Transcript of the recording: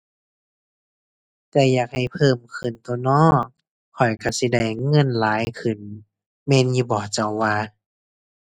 ก็อยากให้เพิ่มขึ้นตั่วเนาะ ข้อยก็สิได้เงินหลายขึ้น แม่นอยู่บ่เจ้าว่า